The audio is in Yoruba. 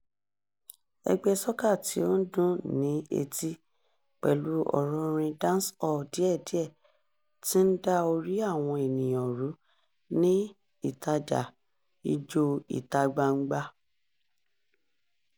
Ègbé soca tí ó dùn ní etí, pẹ̀lú ọ̀rọ̀ orin dancehall díẹ̀díẹ̀, ti ń da orí àwọn ènìyàn rú ní ìtaja Ijó ìta-gbangba.